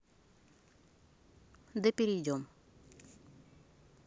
да перейдем